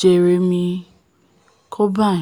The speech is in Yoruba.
Jeremy Corbyn.